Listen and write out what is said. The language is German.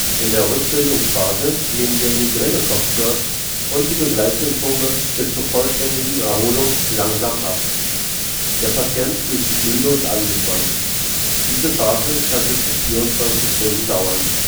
In der Rückbildungsphase nehmen der Migränekopfschmerz und die Begleitsymptome bis zur vollständigen Erholung langsam ab. Der Patient fühlt sich müde und angespannt. Diese Phase kann bis zu 24 Stunden dauern